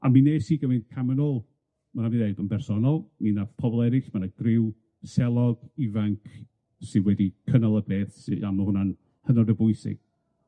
A mi wnes i gymryd cam yn ôl, ma' rai' fi ddeud, yn bersonol, mi nath pobol eryll, ma' 'na griw selog, ifanc sy wedi cynnal y peth sydd a ma' hwnna'n hynod o bwysig.